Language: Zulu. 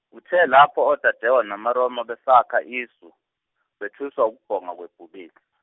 kuthe lapho oTajewo noMeromo besakha isu, bethuswa ukubhonga kwebhubes-.